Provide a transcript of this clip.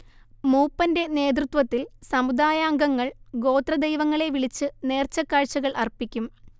മൂപ്പന്റെ നേതൃത്വത്തിൽ സമുദായാംഗങ്ങൾ ഗോത്രദൈവങ്ങളെ വിളിച്ച് നേർച്ചക്കാഴ്ചകൾ അർപ്പിക്കും